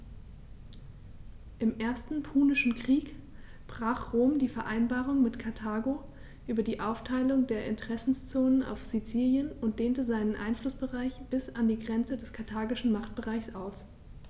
Im Ersten Punischen Krieg brach Rom die Vereinbarung mit Karthago über die Aufteilung der Interessenzonen auf Sizilien und dehnte seinen Einflussbereich bis an die Grenze des karthagischen Machtbereichs aus.